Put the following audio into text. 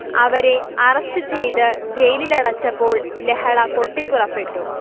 അവരെ അറസ്റ്റ് ചെയ്ത് ജയിലിലടച്ചപ്പോൾ ലഹള പൊട്ടിപ്പുറപ്പെട്ടു